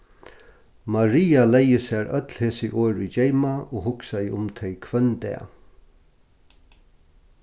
maria legði sær øll hesi orð í geyma og hugsaði um tey hvønn dag